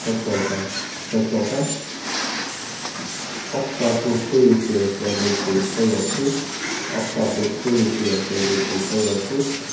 seksoghálvfems seksoghálvfems átta pluss fýraogfjøruti ligvið tveyoghálvtrýss átta pluss fýraogfjøruti ligvið tveyoghálvtrýss